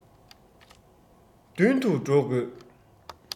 མདུན དུ འགྲོ དགོས